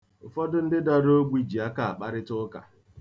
Ụfọdụ ndị dara ogbi ji aka akparịta ụka.